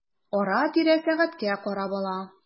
Ара-тирә сәгатькә карап ала.